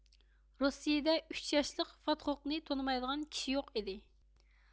رۇسىيەدە ئۈچ ياشلىق فاتغوقنى تونۇمايدىغان كىشى يوق ئىدى